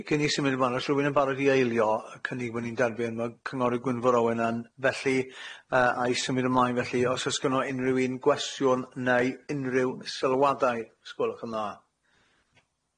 Cyn- cynnu i symud ymlaen os rwun yn barod i eilio yy cymry bo ni'n derbyn ma' cyngory' Gwynfor Owen yn felly yy a'i symud ymlaen felly os o's gynno unryw un gwestiwn neu unryw sylwadau sgwelwch yn dda.